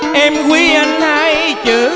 em quý anh hai chữ